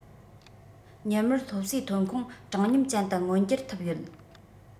མྱུར མོར སློབ གསོའི ཐོན ཁུངས དྲང སྙོམས ཅན དུ མངོན འགྱུར ཐུབ ཡོད